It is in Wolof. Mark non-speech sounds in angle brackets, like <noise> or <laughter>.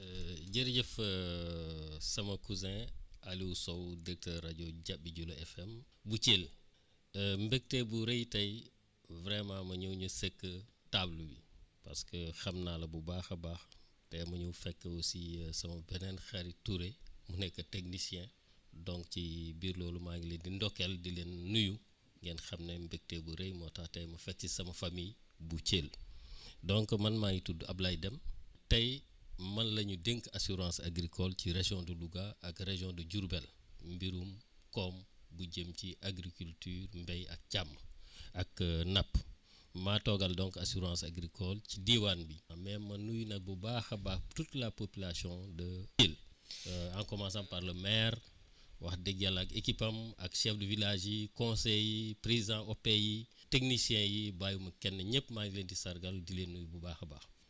<hesitation> jërëjëf <hesitation> sama cousin Alioune Sow directeur rajo Jabi Jula FM bu Thièl <hesitation> mbégte gu rëy tey vraiment ma ñëw ñu seq table bi parce que xam naa la bu baax a baax tey ma ñëw fekk la si sama beneen xarit Touré nekk technicien donc ci biir loolu maa ngi leen di ndokkeel di leen nuyu ngeen xam ne mbégte gu rëy moo tax tey ma fekk si sama famille bu Thièl <breath> donc man maa ngi tudd Abdoulaye Deme tey man la ñu dénk assurance agricole ci région de Louga ak région de Diourbel mbirum koom bu jëm ci agriculture mbéy ak càmm <breath> ak <hesitation> napp maa toogal donc assurance agricole ci diwaan bi mais ma nuyu nag bu baax a baax toute la population de thièl <hesitation> en commençant par le maire wax dëgg yàlla ak équipe am ak chef de village yi conseils yi président OPE yi technicien yi bàyyi wu ma kenn ñëpp maa ngi leen di sargal di leen nuyu bu baax a baax